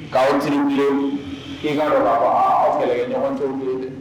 Ka aw 'triplé k'i k'a don k'a fɔ aw kɛlɛɲɔgɔn tɛ olu ye dɛ